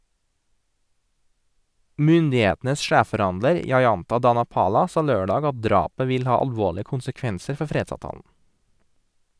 Myndighetenes sjefforhandler, Jayantha Dhanapala, sa lørdag at drapet vil ha alvorlige konsekvenser for fredsavtalen.